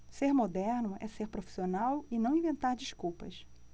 ser moderno é ser profissional e não inventar desculpas